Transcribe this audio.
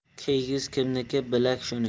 kiygiz kimniki bilak shuniki